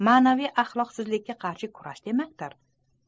manaviy axloqsizlikka qarshi kurash demakdir